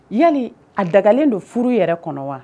Yali a dagalen don furu yɛrɛ kɔnɔ wa